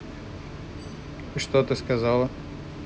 и что ты сказала